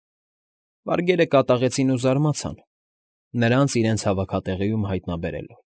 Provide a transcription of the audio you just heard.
Վարգերը կատաղեցին ու զարմացան՝ նրանց իրենց հավաքատեղիում հայտնաբերելով։